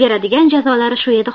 beradigan jazolari shu edi